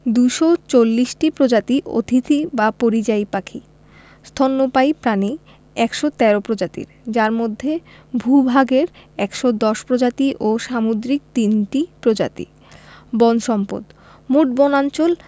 ২৪০ টি প্রজাতি অতিথি বা পরিযায়ী পাখি স্তন্যপায়ী প্রাণী ১১৩ প্রজাতির যার মধ্যে ভূ ভাগের ১১০ প্রজাতি ও সামুদ্রিক ৩ টি প্রজাতি বন সম্পদঃ মোট বনাঞ্চল